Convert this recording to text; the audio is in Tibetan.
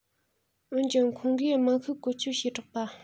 འོན ཀྱང ཁོང གིས དམངས ཤུགས བཀོལ སྤྱོད བྱས དྲགས པ